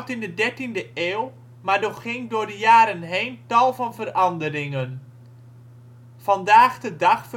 in de dertiende eeuw, maar doorging door de jaren heen tal van veranderingen; vandaag de dag